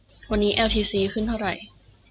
วันนี้แอลทีซีขึ้นเท่าไหร่